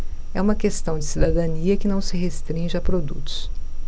é uma questão de cidadania que não se restringe a produtos